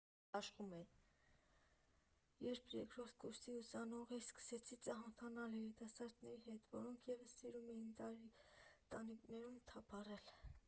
Երբ երրորդ կուրսի ուսանող էի, սկսեցի ծանոթանալ երիտասարդների հետ, որոնք ևս սիրում էին տանիքներում թափառել։